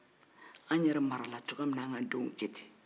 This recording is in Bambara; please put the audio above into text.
an yɛrɛ marala cogoya min na an k'an denw ke ten